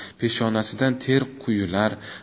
peshanasidan ter quyular